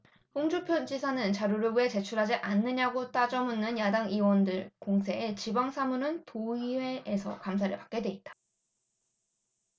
홍준표 지사는 자료를 왜 제출하지 않느냐고 따져 묻는 야당 의원들 공세에 지방 사무는 도의회에서 감사를 받게 돼 있다